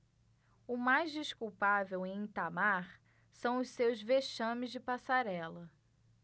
o mais desculpável em itamar são os seus vexames de passarela